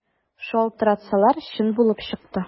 Шалтыратсалар, чын булып чыкты.